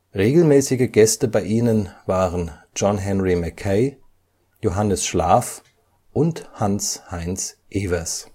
regelmäßige Gäste bei ihnen waren John Henry Mackay, Johannes Schlaf und Hanns Heinz Ewers